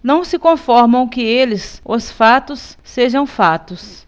não se conformam que eles os fatos sejam fatos